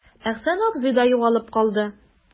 Әхсән абзый да югалып калды.